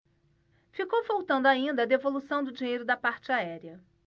ficou faltando ainda a devolução do dinheiro da parte aérea